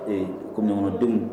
Ee komɔndenw